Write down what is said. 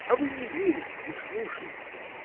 А вы не верите, не слушаетесь!.